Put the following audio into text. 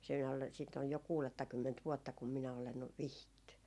siinä oli siitä on jo kuudettakymmentä vuotta kun minä olen vihitty